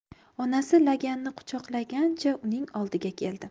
onasi laganni quchoqlagancha uning oldiga keldi